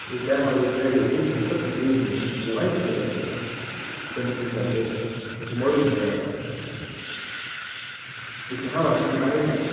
í dag hava vit verið og hugt eftir øllum bilunum men eg veit ikki enn hvønn vit fara at keypa í morgin fara vit aftur vilt tú hava eitt sindur meira